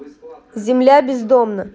земля бездомно